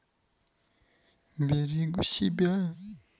берегу себя